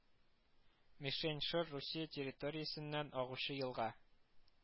Мишень-Шор Русия территориясеннән агучы елга